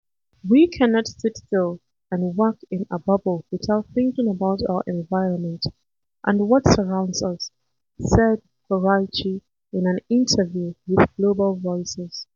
“We cannot sit still and work in a bubble without thinking about our environment and what surrounds us,” said Koraichi in an interview with Global Voices.